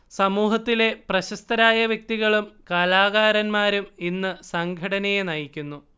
സമൂഹത്തിലെ പ്രശസ്തരായ വ്യക്തികളും കലാകാരന്മാരും ഇന്ന് സംഘടനയെ നയിക്കുന്നു